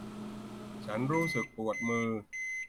ฉันรู้สึกปวดมือ